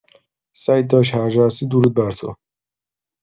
سعید داداش هر جا هستی درود بر تو!